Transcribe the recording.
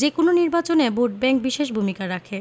যেকোনো নির্বাচনে ভোটব্যাংক বিশেষ ভূমিকা রাখে